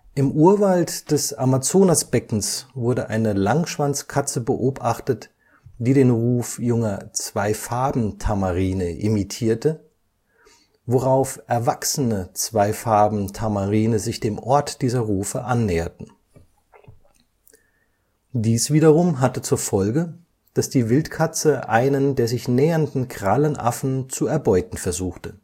Im Urwald des Amazonasbeckens wurde eine Langschwanzkatze beobachtet, die den Ruf junger Zweifarbentamarine imitierte, worauf erwachsene Zweifarbentamarine sich dem Ort dieser Rufe annäherten. Dies wiederum hatte zur Folge, dass die Wildkatze einen der sich nähernden Krallenaffen zu erbeuten versuchte